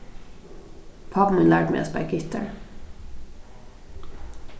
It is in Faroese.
pápi mín lærdi meg at spæla gittar